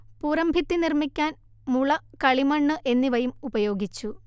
പുറം ഭിത്തി നിർമ്മിക്കാൻ മുള കളിമണ്ണ് എന്നിവയും ഉപയോഗിച്ചു